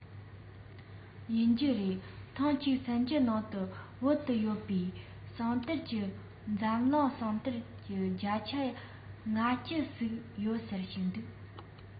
ཡིན གྱི རེད ཐེངས གཅིག གསར འགྱུར ནང དུ བོད དུ ཡོད པའི ཟངས གཏེར གྱིས འཛམ གླིང ཟངས གཏེར གྱི བརྒྱ ཆ ལྔ བཅུ ཟིན གྱི ཡོད ཟེར བཤད འདུག